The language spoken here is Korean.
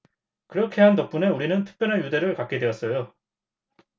그렇게 한 덕분에 우리는 특별한 유대를 갖게 되었어요